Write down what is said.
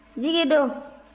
jigi dun